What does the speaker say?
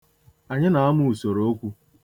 Anyị na-amụ usorookwu.